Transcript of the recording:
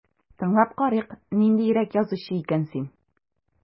Тыңлап карыйк, ниндирәк язучы икән син...